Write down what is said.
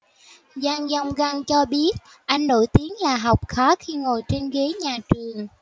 jang dong gun cho biết anh nổi tiếng là học khá khi ngồi trên ghế nhà trường